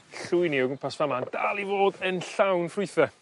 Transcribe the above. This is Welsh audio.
llwyni o gwmpas fa' 'ma'n dal i fod yn llawn ffrwythe.